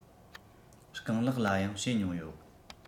རྐང ལག ལ ཡང བྱེད མྱོང ཡོད